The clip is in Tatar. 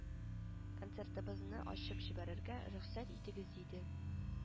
Концертыбызны ачып җибәрергә рөхсәт итегез диде